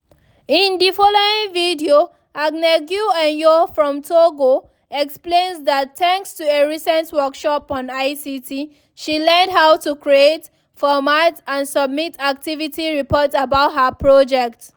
In the following video, Agnegue Enyo from Togo explains that thanks to a recent workshop on ICT, she learned how to create, format and submit activity reports about her project.